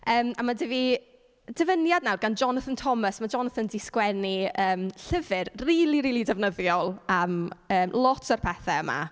Yym, a mae 'da fi dyfyniad nawr gan Jonathan Thomas. Ma' Jonathan 'di sgwennu yym llyfr rili, rili defnyddiol am, yym, lot o'r pethe yma.